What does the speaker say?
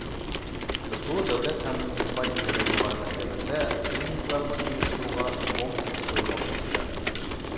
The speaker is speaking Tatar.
КФУ Дәүләт һәм муниципаль идарә югары мәктәбендә тренингларны оештыруга комплекслы якын киләләр: